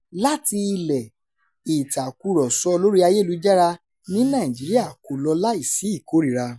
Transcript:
Láti ilẹ̀, ìtàkùrọ̀sọ lórí ayélujára ní Nàìjíríà kò lọ láì sí ìkórìíra.